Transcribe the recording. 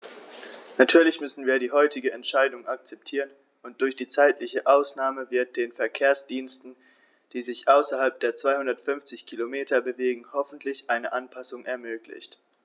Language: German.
Natürlich müssen wir die heutige Entscheidung akzeptieren, und durch die zeitliche Ausnahme wird den Verkehrsdiensten, die sich außerhalb der 250 Kilometer bewegen, hoffentlich eine Anpassung ermöglicht.